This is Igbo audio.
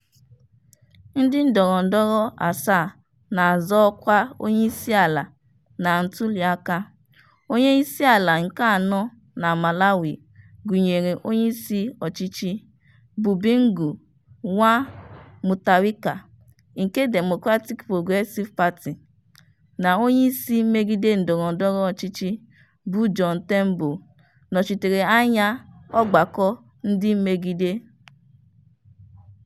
Ndị ndọrọndọrọ asaa na-azọ ọkwa onyeisiala na ntuliaka onyeisiala nke anọ na Malawi, gụnyere onyeisi ọchịchị bụ Bingu wa Mutharika nke Democratic Progressive Party na onyeisi mmegide ndọrọndọrọ ọchịchị bụ John Tembo, nọchitere anya ọgbakọ ndị mmegide.